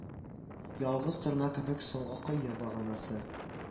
Ялгыз торна кебек соңгы кое баганасы